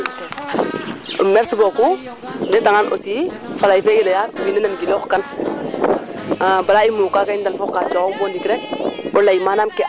e ley manaam ke an naye ten refu probleme nuun no ndiing ne te refu kaa ando naye ten nu manquer a no ndiing to soxla'aano yo lool o ley kaa ando naye xana nanin oyo a fiya ngaan o ndimele waa rok kam fee